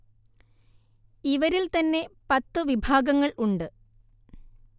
ഇവരിൽ തന്നെ പത്തു വിഭാഗങ്ങൾ ഉണ്ട്